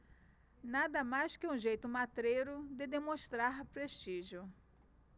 nada mais que um jeito matreiro de demonstrar prestígio